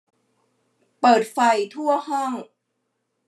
เปิดไฟทั่วห้อง